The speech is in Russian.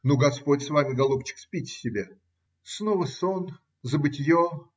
- Ну, господь с вами, голубчик, спите себе. Снова сон, забытье.